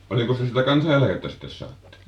paljonkos te sitä kansaneläkettä sitten saatte